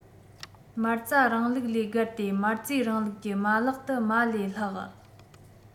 མ རྩ རིང ལུགས ལས བརྒལ ཏེ མ རྩའི རིང ལུགས ཀྱི མ ལག ཏུ མ ལས ལྷག